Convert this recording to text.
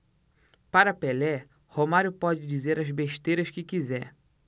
para pelé romário pode dizer as besteiras que quiser